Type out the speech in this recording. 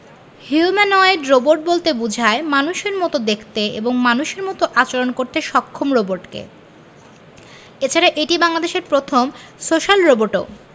humanoid robot বলতে বোঝায় মানুষের মতো দেখতে এবং মানুষের মতো আচরণ করতে সক্ষম রোবটকে এছাড়া এটি বাংলাদেশের প্রথম সোশ্যাল রোবটও